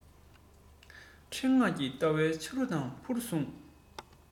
བྲེད དངངས ཀྱིས བརྡལ བའི ཆ རུ དང ཕུར ཟུངས